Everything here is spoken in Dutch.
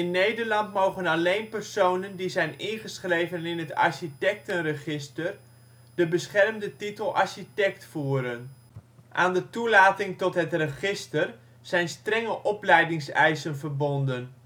Nederland mogen alleen personen die zijn ingeschreven in het Architectenregister de beschermde titel architect voeren. Aan de toelating tot het register zijn strenge opleidingseisen verbonden